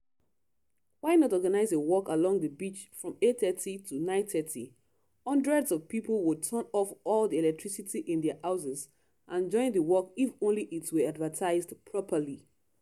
Why not organize a walk along the beach from 8:30 to 9:30 … hundreds of people would turn off all the electricity in their houses and join the walk if only it were advertised properly.